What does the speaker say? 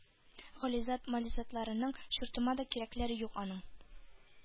-гализат, мализатларыңның чуртыма да кирәкләре юк аның.